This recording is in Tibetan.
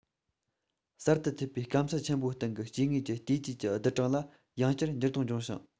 གསར དུ མཐུད པའི སྐམ ས ཆེན པོའི སྟེང གི སྐྱེ དངོས ཀྱི བལྟོས བཅས ཀྱི བསྡུར གྲངས ལ ཡང བསྐྱར འགྱུར ལྡོག འབྱུང ཞིང